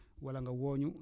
wala nga woo ñu